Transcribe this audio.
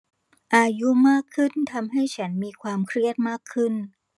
อายุมากขึ้นทำให้ฉันมีความเครียดมากขึ้น